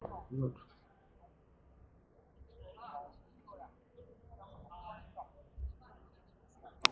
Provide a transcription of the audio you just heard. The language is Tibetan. ཇ དང ཟས སོགས གྲ སྒྲིག བྱེད བཞིན འདུག